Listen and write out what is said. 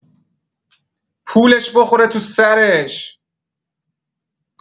پولش بخوره تو سرش.